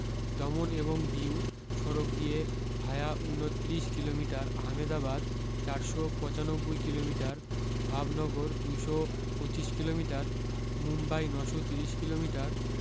দমন এবং দিউ সড়ক দিয়ে ভায়া উনা ত্রিশ কিলোমিটার আহমেদাবাদ চারশো পঁচানব্বই কিলোমিটার ভাবনগর দুশো পঁচিশ কিলোমিটার মুম্বাই নশো ত্রিশ কিলোমিটার